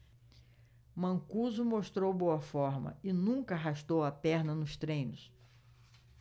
mancuso mostrou boa forma e nunca arrastou a perna nos treinos